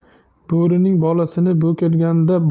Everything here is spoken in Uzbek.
bo'rining bolasini bo'rkingda